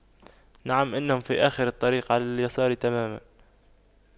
نعم انهم في أخر الطريق على اليسار تماما